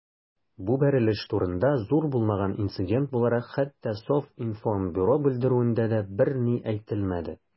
Бу бәрелеш турында, зур булмаган инцидент буларак, хәтта Совинформбюро белдерүендә дә берни әйтелмәде.